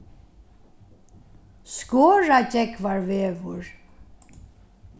skoragjógvarvegur